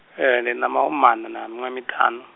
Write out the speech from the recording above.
ee ndi na mahumimaṋa na miṅwaha miṱanu.